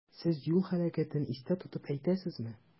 Сез юл һәлакәтен истә тотып әйтәсезме?